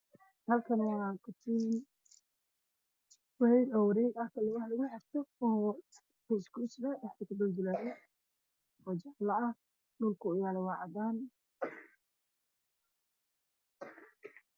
Waa katiin midabkiisu yahay dahabi waxa uu saaran yahay miis cadaan